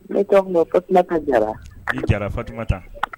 Ne ka jɛra i diyara fatuma ta